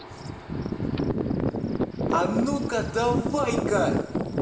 так а ну ка давай ка